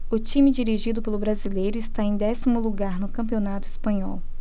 o time dirigido pelo brasileiro está em décimo lugar no campeonato espanhol